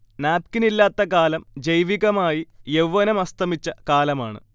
നാപ്കിനില്ലാത്ത കാലം ജൈവികമായി യൗവ്വനം അസ്തമിച്ച കാലമാണ്